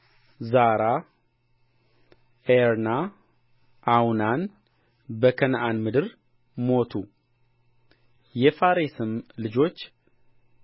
ያዕቆብም ከቤርሳቤህ ተነሣ የእስራኤልም ልጆች ያዕቆብን ይወስዱ ዘንድ ፈርዖን በሰደዳቸው ሰረገሎች አባታቸውን